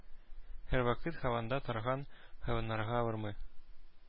Һәрвакыт һавада торган хайваннарга авырмы?